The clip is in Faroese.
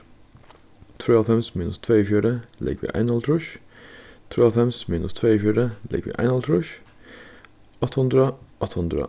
trýoghálvfems minus tveyogfjøruti ligvið einoghálvtrýss trýoghálvfems minus tveyogfjøruti ligvið einoghálvtrýss átta hundrað átta hundrað